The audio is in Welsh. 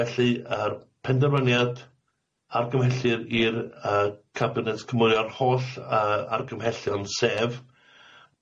Felly yy penderfyniad argymhellydd i'r yy cabinet cymwrio ar holl yy argymhellion sef,